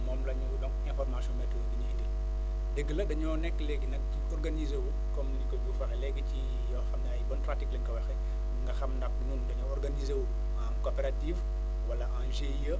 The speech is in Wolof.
moom la ñu donc information météo di ñu itteel dëgg la dañoo nekk léegi nag ci organiser wu comme ni ko Diouf waxee léegi ci yoo xam ne ay bonnes pratiques lañ ko waxee nga xam nag ñun dañoo organiser wu en coopérative wala en GIE